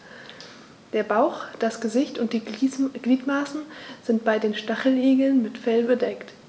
Der Bauch, das Gesicht und die Gliedmaßen sind bei den Stacheligeln mit Fell bedeckt.